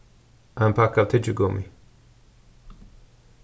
ein pakka av tyggigummi